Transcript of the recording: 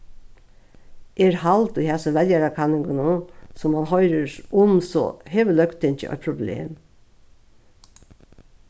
er hald í hasum veljarakanningunum sum mann hoyrir um so hevur løgtingið eitt problem